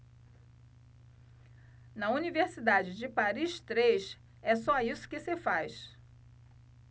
na universidade de paris três é só isso que se faz